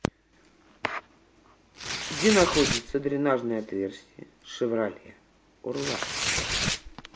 где находится дренажное отверстие шевроле орландо